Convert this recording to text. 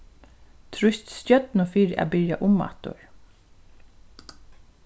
trýst stjørnu fyri at byrja umaftur